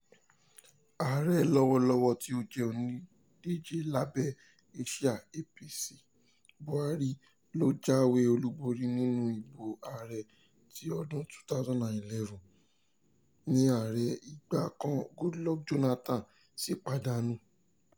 Ààrẹ lọ́wọ́lọ́wọ́ tí ó jẹ́ òǹdíje lábẹ́ àsíá APC, Buhari ló jáwé olúborí nínú ìbò ààrẹ ti ọdún 2011 tí ààrẹ ìgbà kan Goodluck Jónátánì sí pàdánù.